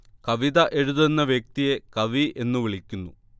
കവിത എഴുതുന്ന വ്യക്തിയെ കവി എന്നു വിളിക്കുന്നു